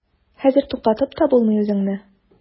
Хәзер туктатып та булмый үзеңне.